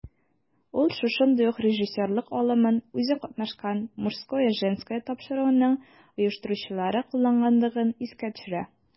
Ул шушындый ук режиссерлык алымын үзе катнашкан "Мужское/Женское" тапшыруының оештыручылары кулланганлыгын искә төшерә.